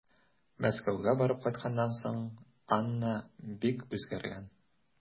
Мәскәүгә барып кайтканнан соң Анна бик үзгәргән.